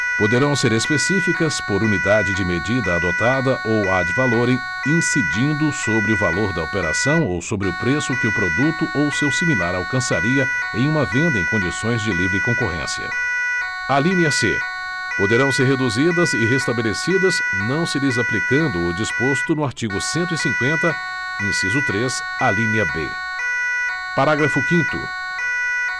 poderão ser específicas por unidade de medida adotada ou ad valorem incidindo sobre o valor da operação ou sobre o preço que o produto ou seu similar alcançaria em uma venda em condições de livre concorrência alínea c poderão ser reduzidas e restabelecidas não se lhes aplicando o disposto no artigo cento e cinquenta iii b parágrafo quinto